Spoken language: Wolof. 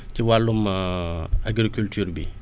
ci wàllum agriculture bi